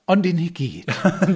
Ond y'n ni gyd